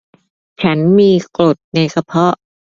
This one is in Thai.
ฉันมีกรดในกระเพาะ